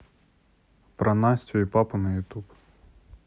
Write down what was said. про настю и папу на ютуб